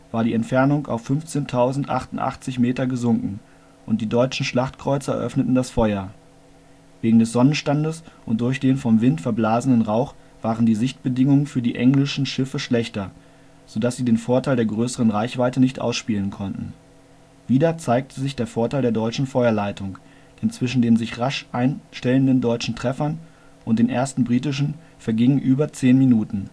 war die Entfernung auf 15.088 Meter gesunken, und die deutschen Schlachtkreuzer eröffneten das Feuer. Wegen des Sonnenstandes und durch den vom Wind verblasenen Rauch waren die Sichtbedingungen für die englischen Schiffe schlechter, so dass sie den Vorteil der größeren Reichweite nicht ausspielen konnten. Wieder zeigte sich der Vorteil der deutschen Feuerleitung, denn zwischen den sich rasch einstellenden deutschen Treffern und den ersten britischen vergingen über zehn Minuten